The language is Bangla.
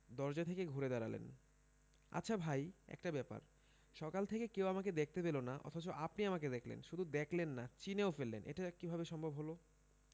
দরজা থেকে ঘুরে দাঁড়ালেন আচ্ছা ভাই একটা ব্যাপার সকাল থেকে কেউ আমাকে দেখতে পেল না অথচ আপনি আমাকে দেখলেন শুধু দেখলেন না চিনেও ফেললেন এটা কীভাবে সম্ভব হলো